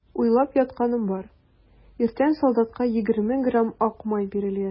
Уйлап ятканым бар: иртән солдатка егерме грамм ак май бирелә.